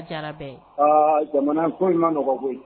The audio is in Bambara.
A diyara bɛɛ ye, aa jamanako in ma nɔgɔn koyi